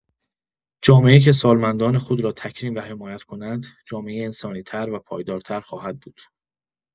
جامعه‌ای که سالمندان خود را تکریم و حمایت کند، جامعه‌ای انسانی‌تر و پایدارتر خواهد بود.